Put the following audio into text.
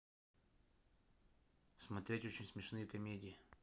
смотреть очень смешные комедии